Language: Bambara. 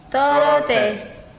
tɔɔrɔ tɛ